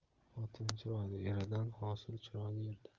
xotin chiroyi erdan hosil chiroyi yerdan